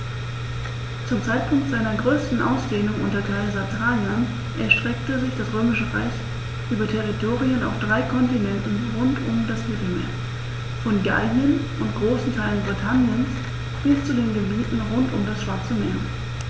Zum Zeitpunkt seiner größten Ausdehnung unter Kaiser Trajan erstreckte sich das Römische Reich über Territorien auf drei Kontinenten rund um das Mittelmeer: Von Gallien und großen Teilen Britanniens bis zu den Gebieten rund um das Schwarze Meer.